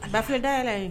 A bafeda yɛrɛ ye